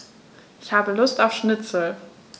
Ich habe Lust auf Schnitzel.